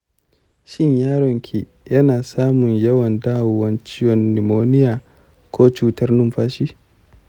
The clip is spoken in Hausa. shin yaron ki yana samun yawan dawowan ciwon pneumonia ko cutan numfashi?